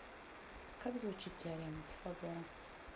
как звучит теорема пифагора